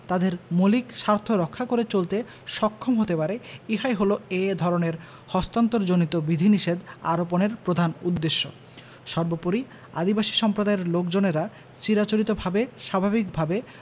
তাদের মৌলিক স্বার্থ রক্ষা করে চলতে সক্ষম হতে পারে ইহাই হল এ ধরনের হস্তান্তরজনিত বিধিনিষেধ আরোপনের প্রধান উদ্দেশ্য সর্বপরি আদিবাসী সম্প্রদায়ের লোকজনেরা চিরাচরিতভাবে স্বাভাবিকভাবে